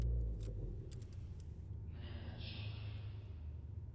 Менә хәзер шакыр